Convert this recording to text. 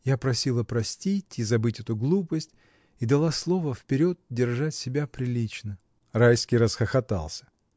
Я просила простить и забыть эту глупость и дала слово вперед держать себя прилично. Райский расхохотался.